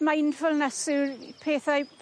Mindfulness yw'r pethau